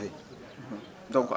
ñu jéem koo trouvé